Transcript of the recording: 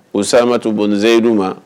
O sama to bɔnzeyir' ma